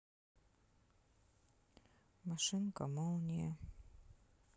машинка молния